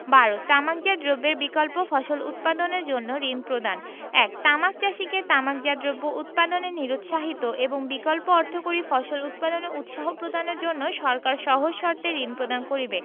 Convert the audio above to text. ১২ তামাকজাত দ্রব্যের বিকল্প ফসল উৎপাদনের জন্য ঋণ প্রদানঃ ১ তামাক চাষীকে তামাকজাত দ্রব্য উৎপাদনে নিরুৎসাহ এবং বিকল্প অর্থকরী ফসল উৎপাদনে উৎসাহ প্রদানের জন্য সরকার সহজ শর্তে ঋণ প্রদান করিবে